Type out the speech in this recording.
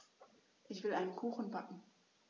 Ich will einen Kuchen backen.